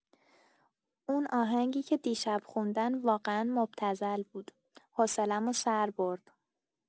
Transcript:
اون آهنگی که دیشب خوندن واقعا مبتذل بود، حوصله‌مو سر برد.